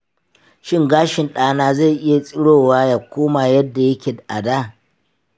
shin gashin ɗa na zai iya tsirowa ya koma yadda yake a da?